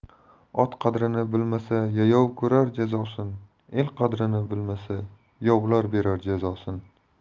ot qadrini bilmasa yayov ko'rar jazosin el qadrini bilmasa yovlar berar jazosin